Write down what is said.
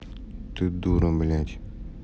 ты дура блядь